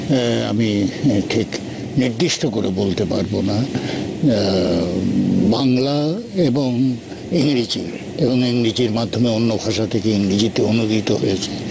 আমি ঠিক নির্দিষ্ট করে বলতে পারব না বাংলা এবং ইংরেজি এবং ইংরেজি মাধ্যমে অন্য ভাষা থেকে ইংরেজিতে অনূদিত হয়েছে